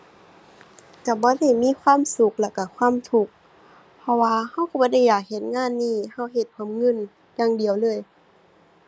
ก็บ่ได้มีความสุขแล้วก็ความทุกข์ เพราะว่าก็ก็บ่ได้อยากเฮ็ดงานนี้ ก็เฮ็ดเพราะเงิน อย่างเดียวเลย